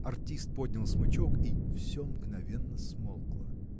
Артист поднял смычок и – все мгновенно смолкло.